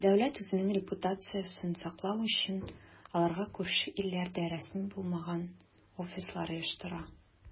Дәүләт, үзенең репутациясен саклау өчен, аларга күрше илләрдә рәсми булмаган "офислар" оештыра.